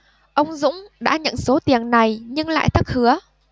ông dũng đã nhận số tiền này nhưng lại thất hứa